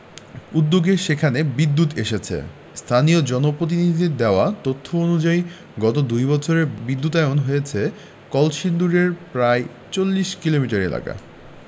উদ্যোগে সেখানে বিদ্যুৎ এসেছে স্থানীয় জনপ্রতিনিধিদের দেওয়া তথ্য অনুযায়ী গত দুই বছরে বিদ্যুতায়ন হয়েছে কলসিন্দুরের প্রায় ৪০ কিলোমিটার এলাকা